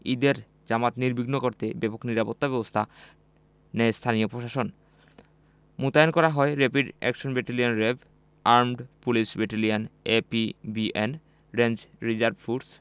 এই ঈদের জামাত নির্বিঘ্ন করতে ব্যাপক নিরাপত্তাব্যবস্থা নেয় স্থানীয় প্রশাসন মোতায়েন করা হয় rapid action battalion RAB armed police battalion APBN range reserve force